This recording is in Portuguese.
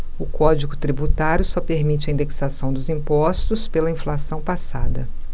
o código tributário só permite a indexação dos impostos pela inflação passada